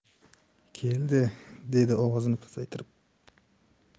keldi dedi ovozini pasaytirib